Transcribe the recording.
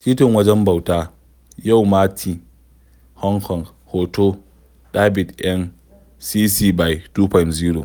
Titin wajen bauta, Yau Ma Tei, Hong Kong. Hoto: Daɓid Yan (CC BY 2.0)